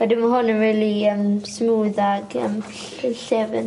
Wedyn ma' hwn yn rili yym smooth ag yym ll- ll- llefyn.